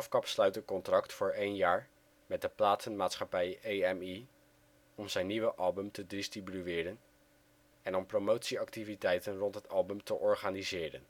sluit een contract voor één jaar met de platenmaatschappij EMI, om zijn nieuwe album te distribueren en om promotieactiviteiten rond het album te organiseren